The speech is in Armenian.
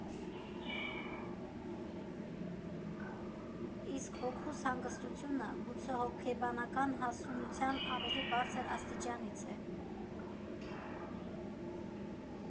Իսկ հոգուս հանգստությունը գուցե հոգեբանական հասունության ավելի բարձր աստիճանից է։